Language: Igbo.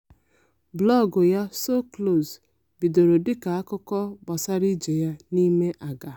Blọọgụ ya, So Close, bidoro dịka akụkọ gbasara ije ya n'ịme àgà.